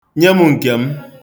Nye m nke m.